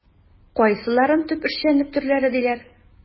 Кайсыларын төп эшчәнлек төрләре диләр?